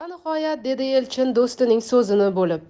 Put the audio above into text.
va nihoyat dedi elchin do'stining so'zini bo'lib